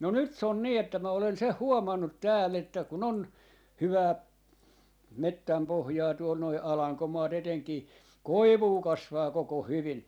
no nyt se on niin että minä olen sen huomannut täällä että kun on hyvää metsänpohjaa tuolla nuo alankomaat etenkin koivua kasvaa koko hyvin